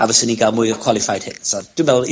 a fyswn i gael mwy o qualified hits, a, dwi me'wl i...